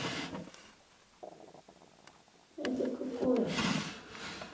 это какое